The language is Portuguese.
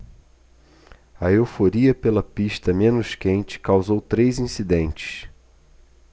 a euforia pela pista menos quente causou três incidentes